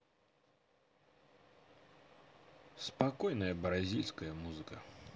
спокойная бразильская музыка